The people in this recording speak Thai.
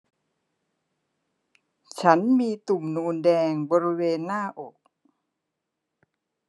ฉันมีตุ่มนูนแดงบริเวณหน้าอก